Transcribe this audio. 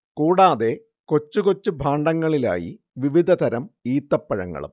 കൂടാതെ കൊച്ചു കൊച്ചു ഭാണ്ഡങ്ങളിലായി വിവിധതരം ഈത്തപ്പഴങ്ങളും